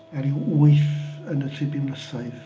A ryw wyth yn y tribiwnlysoedd.